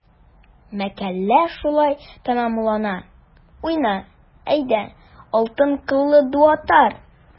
Мәкалә шулай тәмамлана: “Уйна, әйдә, алтын кыллы дутар!"